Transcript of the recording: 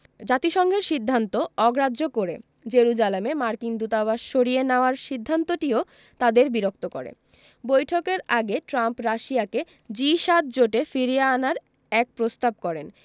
জাতিসংঘের সিদ্ধান্ত অগ্রাহ্য করে জেরুজালেমে মার্কিন দূতাবাস সরিয়ে নেওয়ার সিদ্ধান্তটিও তাদের বিরক্ত করে বৈঠকের আগে ট্রাম্প রাশিয়াকে জি ৭ জোটে ফিরিয়ে আনার এক প্রস্তাব করেন